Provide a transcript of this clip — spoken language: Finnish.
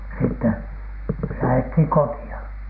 sitten lähdettiin kotiin